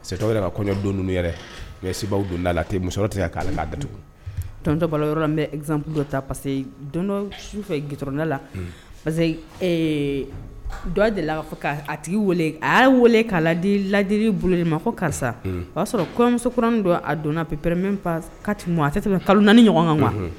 Sɛto yɛrɛ ka kɔɲɔɔn don yɛrɛ mɛ sebaa donda la ten muso tɛ k'' datugu tɔnontɔba yɔrɔ bɛp dɔ ta parce que dondɔ su fɛda la parce que dɔ dea fɔ' tigi wele a weele k'a di lajiri bolo ma ko karisa o y'a sɔrɔ kɔmusouran don a donna ppreme pa ka a tɛmɛ kalo naaniani ɲɔgɔn kan wa